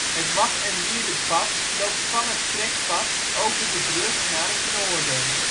Het Wad - en Wierdenpad loopt van het trekpad over de brug naar het noorden